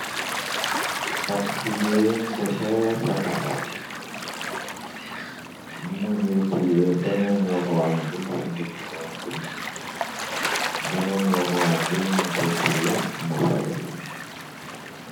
Ab jigeen bu hees sa tahaw, mu ngi tè benen loho am bi ci ndigg yam bi, benen loho am bi muñ ko te nafa wi.